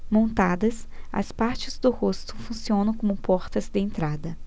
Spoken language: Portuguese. montadas as partes do rosto funcionam como portas de entrada